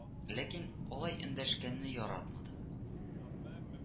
Ләкин алай эндәшкәнне яратмады